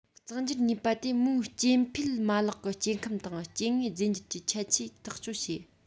གཙང སྒྱུར ནུས པ དེས མོའི སྐྱེ འཕེལ མ ལག གི སྐྱེ ཁམས དང སྐྱེ དངོས རྫས འགྱུར གྱི ཁྱད ཆོས ཐག གཅོད བྱེད